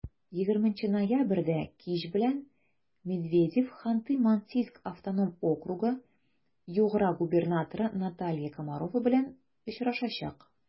20 ноябрьдә кич белән медведев ханты-мансийск автоном округы-югра губернаторы наталья комарова белән очрашачак.